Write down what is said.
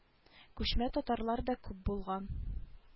Күчмә татарлар да күп булган